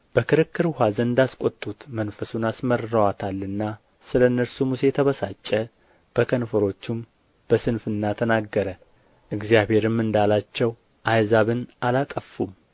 በክርክር ውኃ ዘንድም አስቈጡት መንፈሱን አስመርረዋታልና ስለ እነርሱም ሙሴ ተበሳጨ በከንፈሮቹም በስንፍና ተናገረ እግዚአብሔርም እንዳላቸው አሕዛብን አላጠፉም